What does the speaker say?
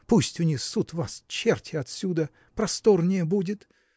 пусть унесут вас черти отсюда: просторнее будет.